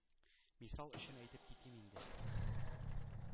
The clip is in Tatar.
Мисал өчен әйтеп китим инде.